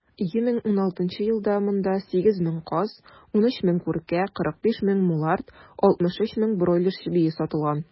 2016 елда монда 8 мең каз, 13 мең күркә, 45 мең мулард, 63 мең бройлер чебие сатылган.